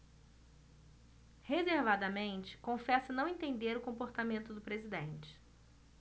reservadamente confessa não entender o comportamento do presidente